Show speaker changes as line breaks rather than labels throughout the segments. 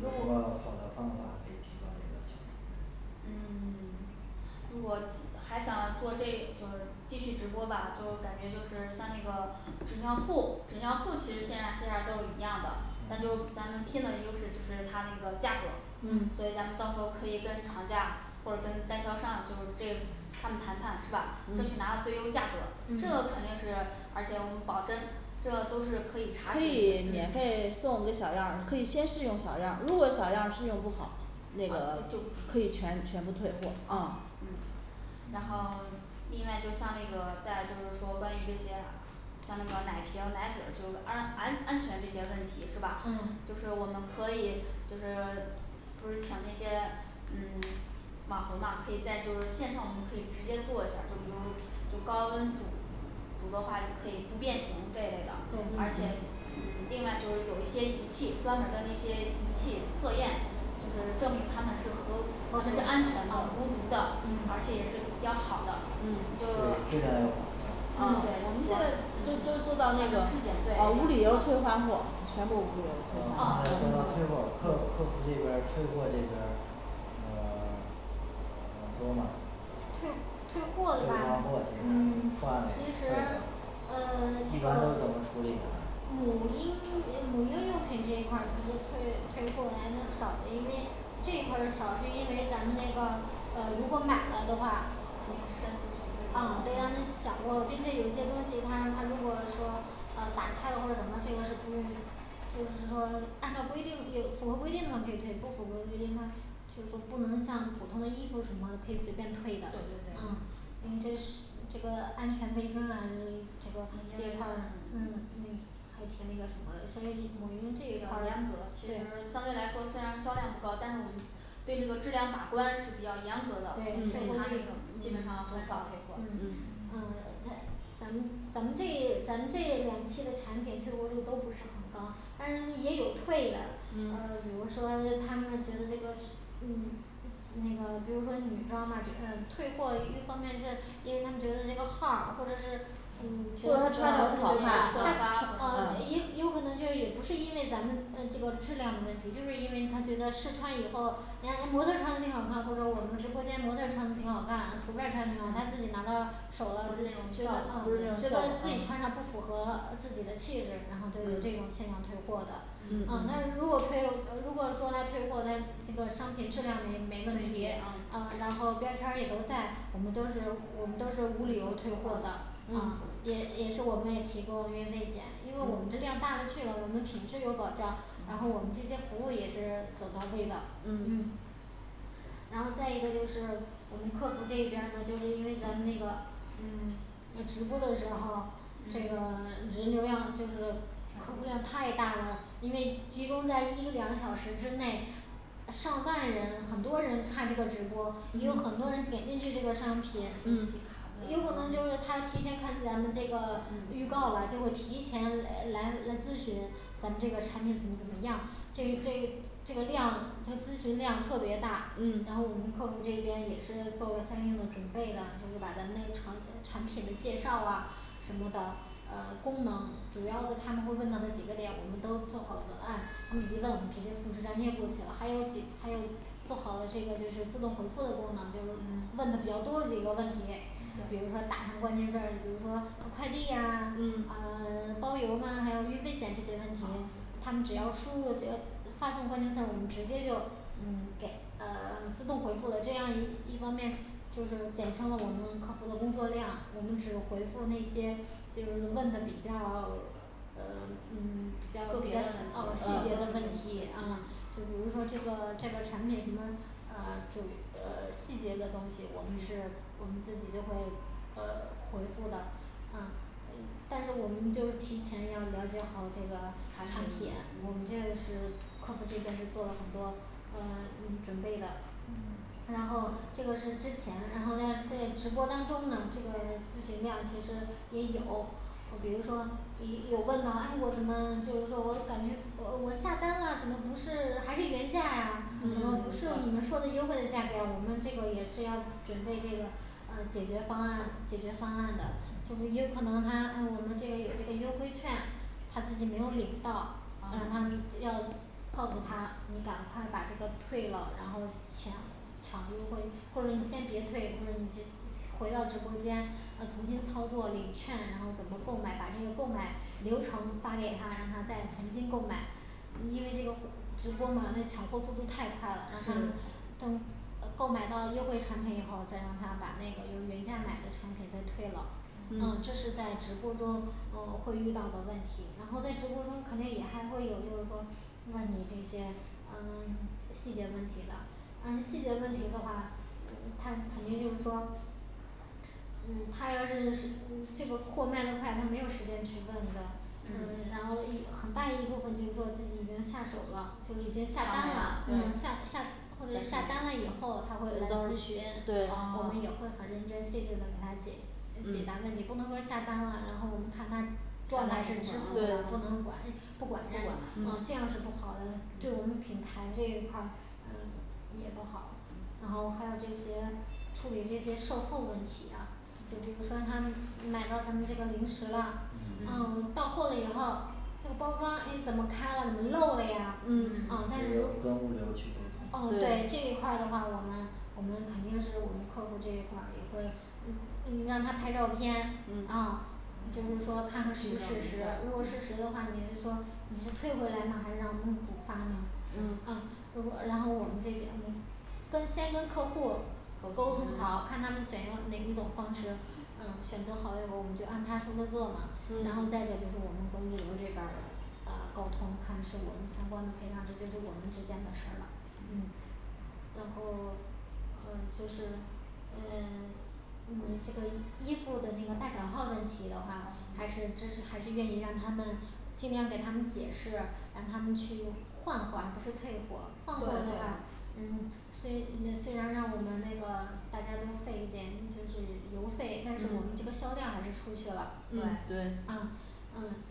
嗯
如
有什么
果
好的方法可以提高这个效率？
嗯 如果还想做这就是继续直播吧，就感觉就是像那个纸尿裤纸尿裤其实线上线下都是一样的，但就
嗯
咱们拼的优势就是它那个价格嗯所以咱们到时候可以跟厂家或者跟代销商就是这他们谈判是吧
嗯嗯？
争取拿到最优价格，这个肯定是 而且我们保真这都是可
可
以查
以
询的
免费
嗯
送个小样儿，可以先试用小样儿，如果小样儿试用不好这个
啊就
可以
就
全全部退货
嗯
啊然后
另外就像那个再就是说关于这些像那个奶瓶儿奶嘴儿就是安安安全这些问题是吧？就是
嗯
我们可以就是 不是请那些嗯 网红嘛可以在就是线上我们可以直接做一下儿，就比如就高温煮煮的话就可以不变形这类的，而且
对
嗯另外就有一些仪器专门儿的那些仪器测验就是证明他们是和我们是安全的无毒
嗯
的，而且
嗯
也是比较好的。
嗯
对质量要把关
嗯
我们
对，主
现
要
在就就做到
嗯
那个
质检对
啊无理由退换货啊，
全部
嗯刚
无理由退
才
换
说到退货客客服这边儿退货这边儿嗯 嗯多吗
退
退
退
换
货的话
货
嗯其实
这边儿
呃 这
基本
个
上都怎么处理的？
母
这一
婴
块
母婴用
儿
品这一块儿其实退退货来的少的，因为这一块儿少是因为咱们那个呃如果买了的话
肯定是深思熟虑
啊对
过
他们
的
想过了，并且有些东西它它如果说嗯打开了或者怎么着，这个是不予就是说按照规定有符合规定的可以退，不符合规定，他就是说不能像普通的衣服什么的可以随
对
便退
对
的，嗯
对
因为这是 这个安全卫生啊这个
这一块儿
嗯那还挺那个什么的所以母婴这个
严格其实相
对
对来说虽然销量不高，但是我们对这个质量把关是比较严格的，
对。嗯嗯嗯
所以它这个基本上很少退货，
嗯
他咱们咱们这 咱们这 两期的产品退货率都不是很高但是也有退的，呃比
嗯
如说他们觉得这个母那个比如说女装吧就嗯退货，一方面是因为他们觉得这个号儿或者是嗯
或
就
者
啊
他穿着不好看
也有可能就是也不是因为咱们嗯这个质量的问题，就是因为他觉得试穿以后你看人模特儿穿挺好看，或者我们直播间模特儿穿挺好看图片儿穿的挺好，他自己拿到
不是
手啦，啊
那种
不是那种效
觉
效果
果
得自己穿上不
啊
符合自己的气质，然后都有这种现象退货的。嗯但是
嗯
嗯
如果退如果说他退货但是这个商品质量没
没
没
问
问
题
题，啊
啊
然后标签儿也都在，我们都是我们都是无理由儿退货的啊也
嗯
也是我们也提供运费险，因为我们这量大了去了，我们品质有保障然后我们这些服务也是 走到位的
嗯
嗯然后再一个就是我们客服这一边儿呢，就是因为咱们那个嗯 哎直播的时候儿这个
嗯
人流量就这个量太大了，因为集中在一两小时之内上万人很多人看这个直播，也有很多人
嗯
点进去这个商品
嗯
有可能就是他
卡
要
的嗯
提前看咱们这个预告
嗯
了，就会提前来来来咨询咱们这个产品怎么怎么样这这这个量就咨询量特别大，然后我们
嗯
客服这边也是做了相应的准备的，就是把咱们那个长呃产品的介绍啊什么的呃 功能主要的他们都问到的几个点我们都做好了文案他们一问我们直接复制粘贴过去了，还有比还有做好了这个就是自动回复的功能，就是嗯问的比较多的几个问题就比如说打上关键字儿，比如说快递呀啊
嗯
包邮吗，还有运费险这些问题他们只要输入这发送关键字儿，我们直接就嗯 给呃 自动回复的这样儿一一方面就是减轻了我们客服的工作量，我们只回复那些就是问的比较 呃
很
嗯比较嗯
个
细节
别
的
的
问
问
题
题
嗯
嗯
就比如说这个 这个产品什么啊 注意呃 细节的东西我们是 我们自己就会呃回复的啊呃但是我们就是提前要了解好这个产
产品
品我们这个
嗯
是客服这边儿是做了很多呃嗯准备的
嗯
然后这个是之前然后呢在直播当中呢这个咨询量其实也有比如说你有问到啊我怎么就是说我感觉呃我下单啦，怎么不是 还是原价
嗯嗯
呀
嗯，
怎么不是你们
对
说的优惠的价格呀，我们也是要准备这个嗯解决方案解决方案的，就是有可能他我们这个有这个优惠券他自己没有领到让他们
嗯
要告诉他你赶快把这个退了，然后前抢优惠，或者你先别退，或者你回到直播间要重新操作领券，然后怎么购买把这个购买流程发给他，让他再重新购买。因为这个货 直播嘛那个抢货速度太快了，让他
是
等呃购买到优惠产品以后，再让他把那个由原价买的产品再退了嗯这是
嗯
嗯
在直播中哦会遇到的问题，然后在直播中肯定也还会有就是说问你这些嗯 细节问题的嗯细节问题的话呃他肯定就是说嗯他要是 嗯这个货卖的快，他没有时间去问的嗯然后
嗯
一很大一部分就是说自己已经下手了，就
抢没
已经下单啦
了
下
对
下或者下单了以后他会来咨询，我
哦
对
们也会很 认真的给他解解答问题，不能说下单了，然后我们看他状态是支付了，不
嗯
能管人不管
嗯不管
人
对
家这样儿是不好的，对我们品牌这一块儿嗯也不好然后还有这些处理这些售后问题啊就比如说他买到咱们这个零食啦哦
嗯
嗯
到货了以后就包装诶怎么开啦怎么漏了呀，嗯但
这
是
个要
如
嗯
嗯
跟物流去沟通
嗯对这一块儿的话，我们我们肯定是我们客服这一块儿也会嗯你让她拍照片
嗯
啊就是说看看
这
是不
个
事实，
要
如果事
明
实的话，
白
你是说你是退回来呢还是让我们补发呢嗯
是
嗯
如然后我们这边嗯跟先跟客户沟通好，看他们选用哪一种方式嗯选择好了以后我们就按他说的做嘛然后再者
嗯
就是我们跟物流这边儿的呃沟通看是我们相关的赔偿，这就是我们之间的事儿了。嗯然后 嗯就是嗯 嗯这个衣衣服的那个大小号问题的话，还是
嗯
支持还是愿意让他们尽量给他们解释，让他们去换货，而不是退货换货
对
的话
对
嗯虽嗯虽然让我们那个大家都费一点就是邮费，但是我们这个
嗯
销量还是出去了嗯
对
对
嗯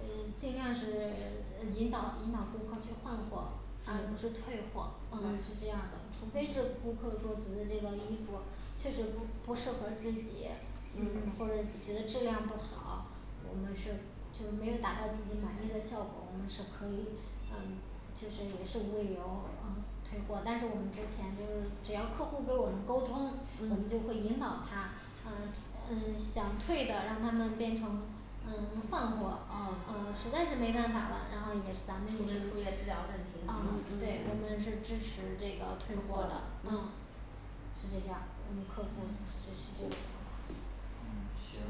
嗯尽量是 引导引导顾客去换货而不是退货，嗯是这样儿的，除非是顾客说觉得这个衣服确实不不适合自己嗯或者是觉得质量不好我们是就没有达到自己满意的效果，我们是可以嗯就是也是无理由儿嗯退货，但是我们之前就是只要客户给我们沟通我们就会
嗯
引导他呃嗯想退的让他们变成嗯换货，
嗯
呃
就是出
实在是没办法了，然后也咱们也是
现质量问题，什么
嗯
的
对我们是支持这个
退
退
货
货
的
的嗯是这样儿我们客服这
嗯
是这个
嗯行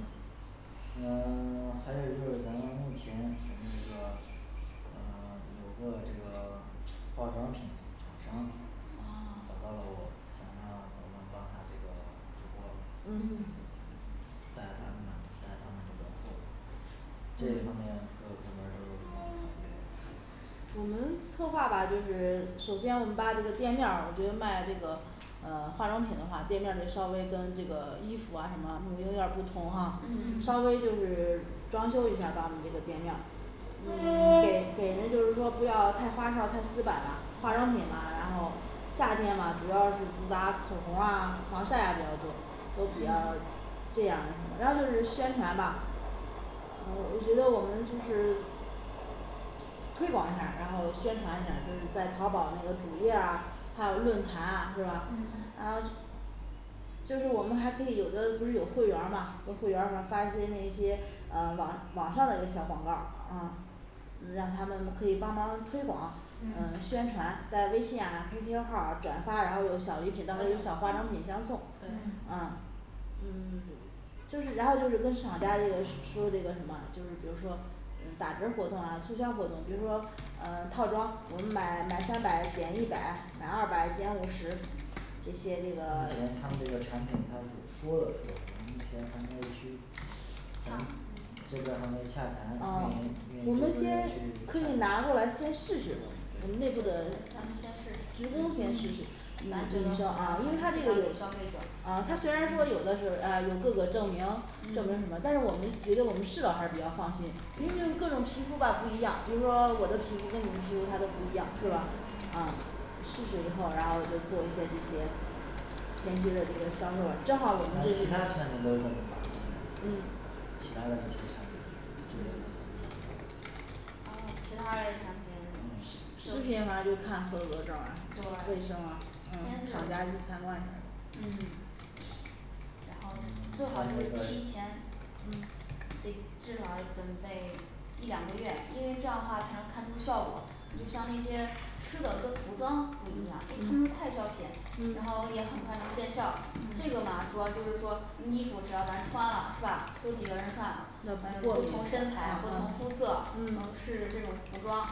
嗯 还有就是咱们目前咱们这个嗯 有说了这个 化妆品厂
哦
商找到 了我想让我们帮他这个直
嗯
嗯
播带他们带他们这个这个方面各
嗯
个部门儿都有什么考虑呢
我们策划吧就是 首先我们把店面儿我觉得卖这个呃 化妆品的话，店面儿就稍微跟这个衣服啊什么有点儿不同啊，稍
嗯
嗯
微就是 装修一下儿把我们这个店面儿嗯 给给人就是说不要太花哨太死板了，化妆品嘛，然后夏天嘛主要是主打口红啊防晒啊这些都都比较
嗯
这样，然后就是宣传吧嗯我觉得我们就是推广一下儿，然后宣传一下儿就是在淘宝那个主页儿啊还有论坛啊是吧？
嗯
然后就是我们还可以有的不是有会员儿吗和会员儿发一些那些呃网网上的一小广告儿啊嗯让他们可以帮忙推广嗯
嗯
宣传，在微信呀Q Q号儿啊转发，然后有小礼品到有小化妆品相送嗯
嗯
对
嗯 就是然后就是跟厂家这个说 说这个什么，就是比如说嗯打折儿活动啊，促销活动就是说呃 套装，我们买买三百减一百，买二百减五十这些
目前
这个
他们 这个产品他们也说了说我们目前还没有去
上嗯
这边儿还没有洽谈，
嗯
运营运营
我们
这边儿
先 可以拿过
要
来
去洽
先试试我们我
咱
们
们
内部的人
对
职工先
先
试
试试嗯咱觉得好
啊因为
推
他
销
这个
给消费者
啊他虽然说有的是诶有各个证明证明什么但是
嗯
我们觉得我们试了还是比较放心因为各种皮肤吧不一样，比如说我的皮肤跟你的皮肤它都不一样是吧
对？
啊试试以后然后就做一些对接前提是这个，正好儿我
那其他产品都怎
们
么保证呢这个
嗯
其它的这些产品是怎么保障呢
嗯其它的产品
嗯
食品的话就是看合格儿证啊卫
对
生啊嗯
先是
厂家去参观什么
嗯
的
嗯还
然后最好就
有
是
这个
提前
嗯
得至少准备一两个月，因为这样的话才能看出效果就像那些吃的跟服
嗯
装不一样因为它们是快消
嗯
嗯
品
嗯
然后也很快能见效这个嘛主要就是说衣服只要咱穿了是吧多几个人算了嗯不同身材不同肤
啊
色都
嗯嗯
啊
试这种服装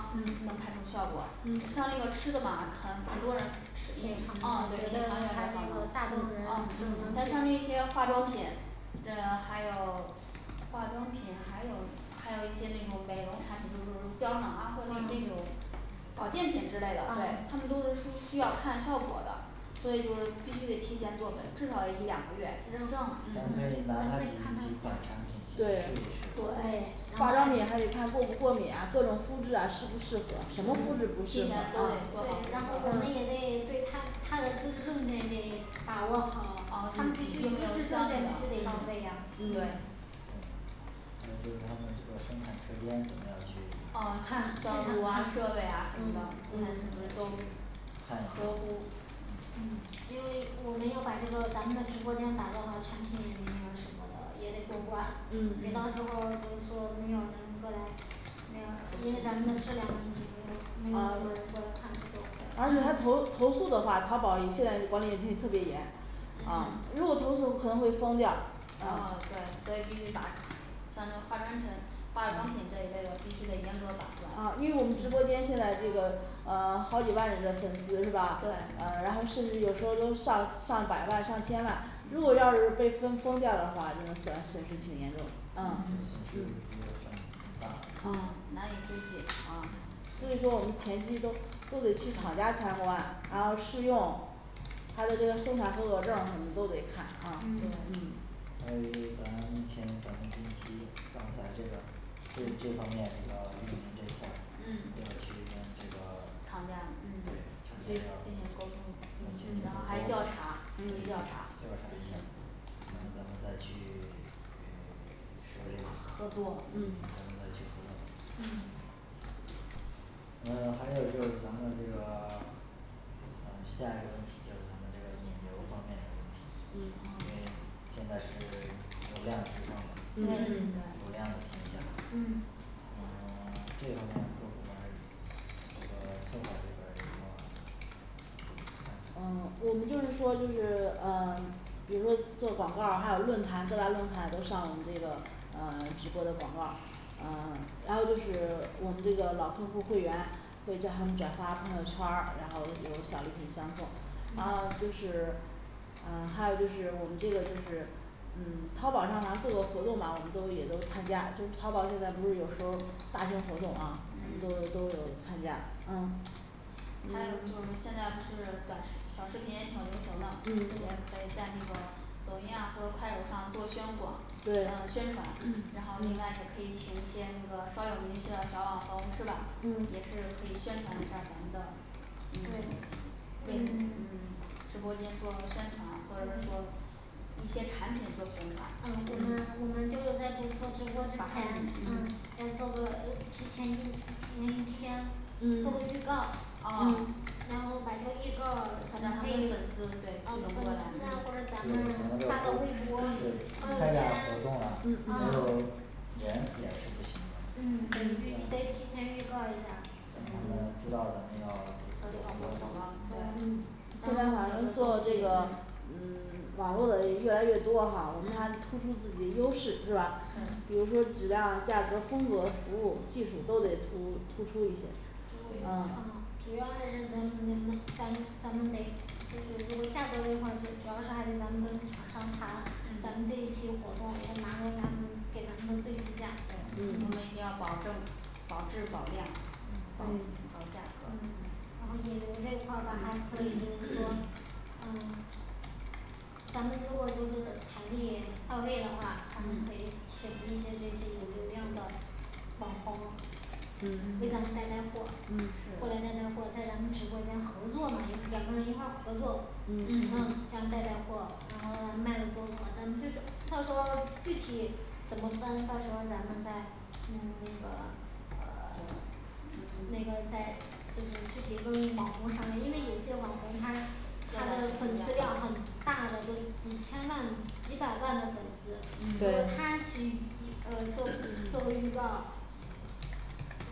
能看出效果像那个
嗯
吃的嘛看好多人
吃品尝它
啊
这
对
个大部分人
嗯但像那些化妆品这 还有 化妆品还有还有一些那种美容产品就是说胶囊啊或那那种
嗯
保健品之类的对他们都
啊
是说需要看效果的所以就是必须得提前给我们至少
认证咱们得看他
得一两个月，
咱可
嗯
以拿那他几几款产品去试一
对
对
对
试
化妆品还得看过不过敏啊各种肤质啊适不适合什么肤
对
提
质不适
前
合
都得
啊
做好功
然后我们也
课
得对他他的资质证件把握好他们必须有资质证件必须得报备呀
对
嗯还有就是他们这个生产车间咱们要去
看嗯现场看嗯对
哦消毒 啊设备啊什么的看是不是都
看
合
一
乎
下
嗯
嗯
嗯
因为我们要把这个咱们的直播间打造的产品什么的也得过关，别到时候
嗯
儿就是说没有就是过来。没有了，因为咱们的质量问题就是说
还，有就而且他投投诉的话，淘宝也现在管理特特别严啊
嗯
如果投诉了可能会封店儿
啊对
啊
所以必须打卡像那化专产化妆品这一类的必须得严格把
啊因为我们
关
直播间现在这个啊 好几万人的粉丝是吧？啊然后
对
甚至有时候都上上百万上千万如果要是
嗯
被分封店儿的话就是损失挺严重的
嗯
损
啊
失挺大
啊
的
难以估计
啊所以说我们前期都都得去厂家参观，然后试用它的这个生产合格证儿什么都得看啊嗯
嗯
对
还有一个就咱目前咱近期把咱这个对这方面这个运营这块儿
嗯
要去 这个 对厂
厂家
家
嗯
嗯对
去
调
进行沟通然后还
嗯
调查
查
实地调查进
一下
行
儿然后咱们再去 嗯 说
合
这
作
个
嗯
嗯咱们再去合
嗯
作然后还有就是咱们这个 嗯下一个问题就是这个引流儿方面的问题
嗯
因为
嗯
现在是流量至上
嗯
嗯
对
流量的天下
嗯
嗯 这方各部门儿这个策划这边儿有什么
嗯
嗯
我们就是说就是嗯比如说做广告儿，还有论坛，各大论坛都上我们这个呃 直播的广告儿嗯 然后就是我们这个老客户儿会员会叫他们转发朋友圈儿，然后就是有小礼品相送然后就是 嗯 还有就是我们这个就是嗯 淘宝上啊做的活动吧我们都也都参加
对
淘宝现在不有时候大型活动啊我们都
嗯
都有都有参加嗯
还有就是现在不是短视小视频也挺流行的也
嗯
可以在
对
那个抖音啊或者快手儿上做宣广
对
嗯宣传然后
嗯
另外也可以请一些那个稍有名气的小网红是吧也是
嗯
可以宣传一下儿咱们的嗯
对
嗯直播间做宣传或者说
对
一些产品做宣传嗯
嗯
把控
我
嗯
们我们交流在顾客直播之前嗯要做个提前一个提前一天
嗯
做个预告
哦
嗯
然后把这个预告。嗯
然后吸引粉
粉丝
丝
啊
对聚拢
或
过来
对看
者咱
嗯
们
见
发到微博。朋友
活动啦
圈。
还有
啊。
人也是不行的
嗯我们得
嗯
提前预告一下
让他
嗯做
们知道
这个
我
活动
们那
嗯
对
个
让他们有一
做
个
这
这
个
个
嗯 网络的人越来越多哈，让他突出
嗯
自己的优势是吧？比
对
如说质量价格风格服务具体都得突入突出一下
啊
啊
主要还是咱们咱们咱们咱们得就是说价格那块儿主要还是咱们跟厂商谈，咱们这一批活动要拿到他们给咱们的最低
对我们
价
一定要
嗯
保证保质保量保
对
嗯
保价
嗯我
格
们这一块儿吧还可以就是说嗯咱们如果就是到位的话咱们可以
嗯
嗯
请一些这这个流量的网红
嗯嗯是
给咱们带带货过来带带货，在咱们直播间合作嘛两个人一块儿合作嗯
嗯
嗯
这样带带货嗯卖货咱们这个到时候儿具体怎么分到时候儿咱们再嗯 那个呃 那个再就是具体跟网红商议，因为有些网红他有那个
不
粉丝
一
量很
样
大的就是几千万几百万的粉丝如果他去一呃
嗯对
做做预告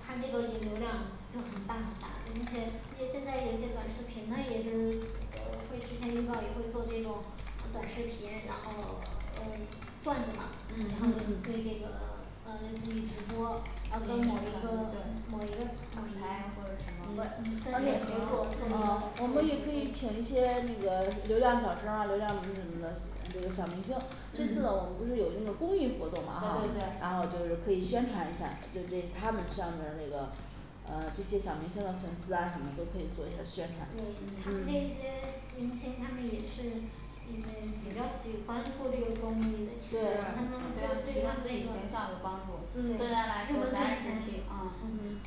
他这个引流量，就很大很大的，因为是因为现在有一些短视频呢也是 这个会提前预告，也会做这种短视频然后呃段子嘛然后也
嗯
会
嗯
这个嗯可以直播然后跟某
对品
一个某一个对嗯
牌或者
产
什么
嗯
嗯
品合作嗯
我们也可以请一些那个流量小生儿啊流量什么的小明星这次我
嗯
们不是有一个公益活动吗
对
哈
对对
然后就是可以宣传一下儿就这他们上边儿这个呃这些小明星的粉丝啊什么都可以做一下儿
对
宣传
他们
嗯
这些 明星他们也是
嗯
因为比较喜欢做这个公益的其
是
实
对
他
他
们对
们
这
提
一
升
方
自己
面
嗯
这
形象
个
有帮助对咱来说咱也是提
嗯嗯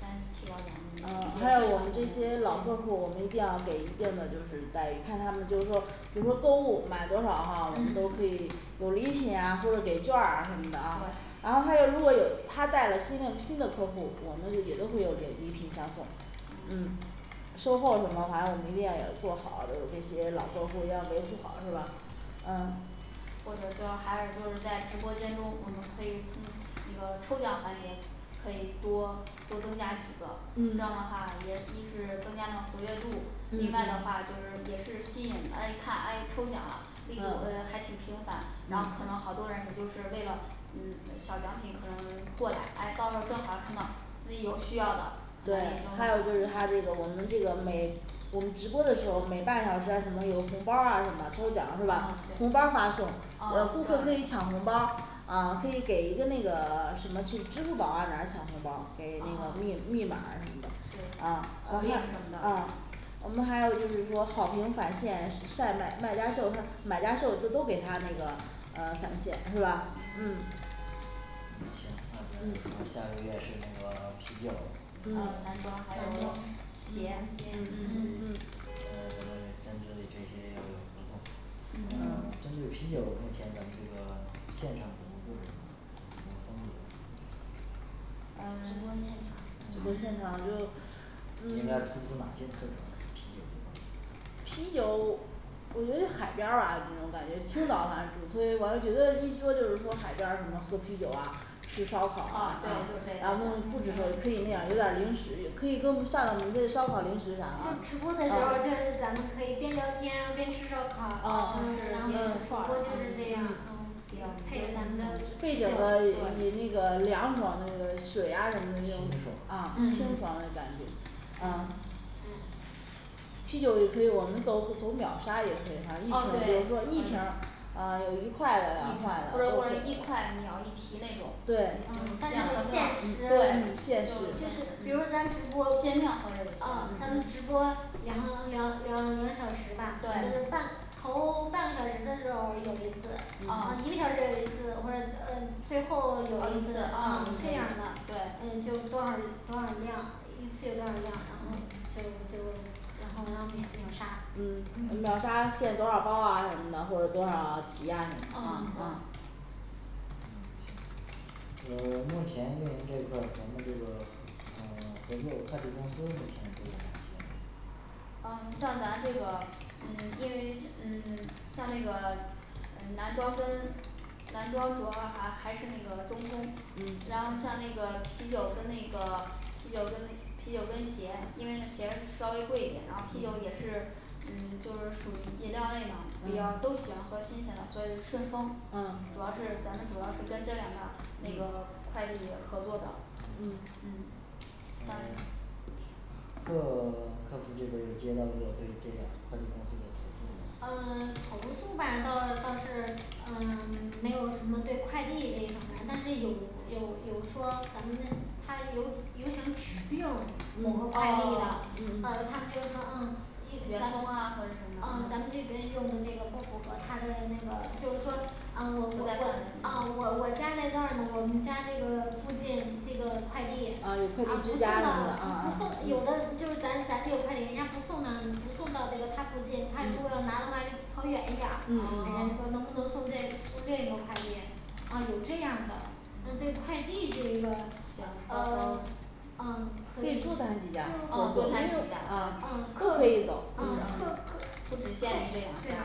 咱提高咱
嗯 还有我
们这个
们这些老客户儿我们一定要给一定的就是待遇，看他们就是说比如说购物满多少哈，我们都
嗯
可以有礼品啊或者给劵儿什么的啊
对
然后还有如果有他带了新的新的客户儿，我们也都会有礼品相送嗯
嗯
售后什么反正门店也做好有一些老客户要维护好是吧？嗯
或者叫还是就是在直播间中我们可以那个抽奖环节可以多多增加几个，这样的话
嗯
也一是增加了活跃度。另外的话都
嗯
是也是吸引，诶一看诶抽奖了
嗯
力度呃还挺频繁然后可能好
嗯
多人也就是为了嗯呃小奖品可能 过来，哎到时候儿正好儿看到自己有需要的可能也就买了嗯
对还有就是他这个我们这个每我们直播的时候每半小时啊什么有红包儿啊什么抽奖是吧
嗯？
红包儿发
对
送
嗯这样
呃顾客可以
一
抢红包儿啊可以给一个那个 什么去支付宝啊，哪儿抢红包儿
啊对
给那
口
个密密码儿什么的。啊
令什么的
啊我们还有就是说好评返现晒卖卖家秀跟买家秀这都给他那个嗯 返现是吧
嗯
嗯
那行那咱就是说下个月是那个 啤酒
呃难说
嗯
还有
嗯鞋嗯
嗯
鞋
那咱们先处理这些那
嗯
嗯
针对啤酒目前咱们这个 现场
呃
直
直播现场
播现场就
嗯
应该突出
嗯
哪些特征啊在啤酒这方面
啤酒 我觉得海边儿吧这种感觉，青岛好像是，所以我觉得一说就是说海边儿什么喝啤酒啊吃烧烤啊
啊对就这类的
然后你不止可以那样儿有点儿
嗯
零食也可以给我们放点儿我们这烧烤零食啥的啊啊，
就直播的时候儿就咱们可以边聊天边
哦 是边
吃
吃
烧
串
烤然后直播就是这样儿
儿嗯
啊配上咱们的
背
啤酒
景呢以以那个 凉爽那个水啊什么
清
的
爽
啊清爽的感
嗯
觉啊
嗯
嗯
啤酒也可以我们走走秒杀也
嗯对可
行反正一瓶就是说一
以
瓶儿啊有
一
一
或
块的两块的
者或者一块秒一提那种量是吧
对，
对
嗯但
就是
是
限
得限
时
时
嗯
比如咱直播
限量合着就行嗯
嗯
对
咱们直播两万两两两小时吧咱这半头 半个小时的时候儿有一次一个小时
啊
有一次或者嗯最后
啊
有一
一次
次
啊
啊这样儿的
对对
嗯就多少多少量一次有多少量&嗯&然后就就然后要免秒杀
嗯秒杀
嗯
限多少包啊什么的或者多少提啊什么啊
嗯
啊
对
嗯行呃 目前运营这一块儿咱们这个 嗯 合作的快递公司目前都有哪些呢
嗯像咱这个嗯 因为是嗯 像那个嗯男装跟男装主要还还是那个中通然后像
嗯
那个啤酒跟那个啤酒跟啤酒跟鞋因为呢鞋稍微贵点啤酒也是嗯 就是属于饮料儿类嘛比较都喜
嗯
欢喝新鲜的所以顺丰
嗯
主要是咱们主要是跟这两个那个快递合作的
嗯
嗯
那
下面
个 客 客服这边儿有接到过对这个快递公司的投诉吗
嗯 投诉吧倒 倒是嗯 没有什么对快递这一方面儿但是有 有有说咱们那他有有想指定某个快递的
哦
呃他们
嗯
就说嗯因咱自
圆通啊或者什么
嗯
啊
咱们这边儿用的这个不符合他的那个就是说
给
啊我我我啊我我家在
他换嗯
这儿呢，我们家这个 附近这个快递
啊
啊
有快
不
递之
送
家啊
到，不
啊
送有的就是咱咱这快递人家不送呢，不送到这个他附
嗯
近，他如果要拿的话就跑远一点
哦
儿，人家说能不
嗯
能送这用这个快递？啊有这样儿的嗯对快递这一
行
个
到时候
呃
儿
嗯
可以多谈几家
就
嗯多
对
谈几
是
家啊
就
客可
是
以
嗯
走客
嗯
客
嗯
客对
不只限于这两
呀
家